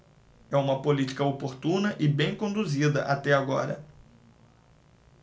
é uma política oportuna e bem conduzida até agora